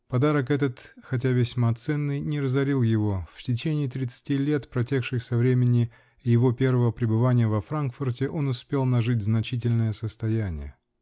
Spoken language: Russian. Подарок этот, хотя весьма ценный, не разорил его: в течение тридцати лет, протекших со времени его первого пребывания во Франкфурте, он успел нажить значительное состояние .